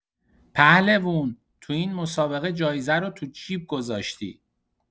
پهلوون، تو این مسابقه جایزه رو تو جیب گذاشتی!